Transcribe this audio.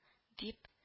Дип